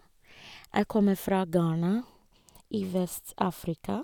Jeg kommer fra Ghana i Vest-Afrika.